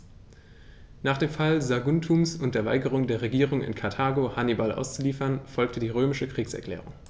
Nach dem Fall Saguntums und der Weigerung der Regierung in Karthago, Hannibal auszuliefern, folgte die römische Kriegserklärung.